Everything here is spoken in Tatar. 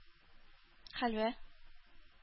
Хәлвә